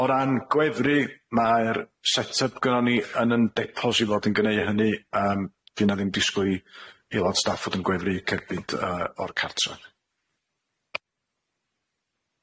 O ran gwefru mae'r set-up gynnon ni yn yn declos yw'r aelod yn gneu hynny yym 'di 'na ddim disgwyl i aelod staff fod yn gwefru cerbyd yy o'r cartref.